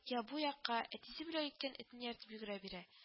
Я бу якка, әтисе бүләк иткән этен ияртеп йөгерә бирә